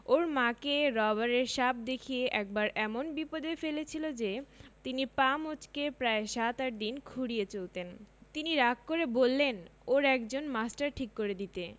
ওর মাকে রবারের সাপ দেখিয়ে একবার এমন বিপদে ফেলেছিল যে তিনি পা মচ্কে প্রায় সাত আটদিন খুঁড়িয়ে চলতেন তিনি রাগ করে বললেন ওর একজন মাস্টার ঠিক করে দিতে